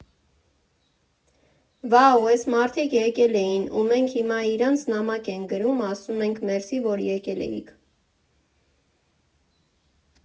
«Վա՜ու, էս մարդիկ եկել էին, ու մենք հիմա իրանց նամակ ենք գրում, ասում ենք մերսի, որ եկել էիք»։